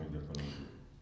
mooy Jokalante